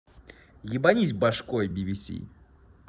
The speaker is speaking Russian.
ебанись бошкой bbc